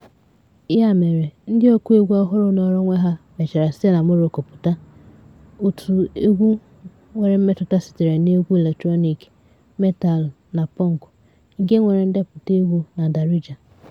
Ya mere, ndị ọkụegwú ọhụrụ nọọrọ onwe ha mechara site na Morocco pụta, òtùegwu nwere mmetụta sitere n'egwu eletrọniik, metaalụ, na punk, nke nwere ndepụta egwu na Darija.